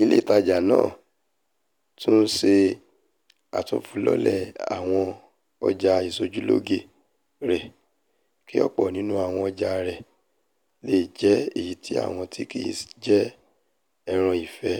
Ilé ìtajà náà tún ńṣe àtúnfilọ́lẹ̀ àwọn ọjà ìṣojúlóge rẹ̀ kí ọ̀pọ̀ nínú àwọn ọjà rẹ̀ leè jẹ èyití àwọn tí kìí jẹ ẹran ńfẹ́